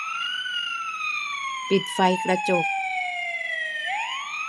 ปิดไฟกระจก